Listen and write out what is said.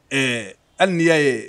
Ɛɛ an ni y'a ye